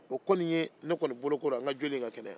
o kɔni ye ne kɔni bolo kora n joli ka kɛnɛya